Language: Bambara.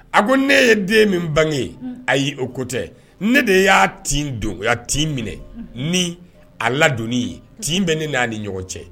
A ko ne ye den min bange ayi o ko tɛ, ne de y'a tin don a tin minɛ n'a ladonnin ye, tin bɛn ne n'a ni ɲɔgɔn cɛ